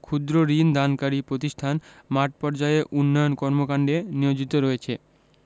ক্ষুদ্র্ ঋণ দানকারী প্রতিষ্ঠান মাঠপর্যায়ে উন্নয়ন কর্মকান্ডে নিয়োজিত রয়েছে